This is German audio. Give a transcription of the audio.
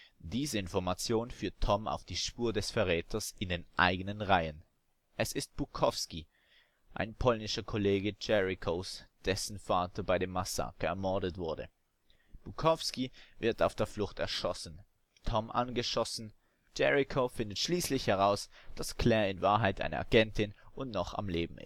Diese Information führt Tom auf die Spur des Verräters in den eigenen Reihen: Es ist Pukowski, ein polnischer Kollege Jerichos, dessen Vater bei dem Massaker ermordet wurde. Pukowski wird auf der Flucht erschossen, Tom angeschossen; Jericho findet schließlich heraus, dass Claire in Wahrheit eine Agentin und noch am Leben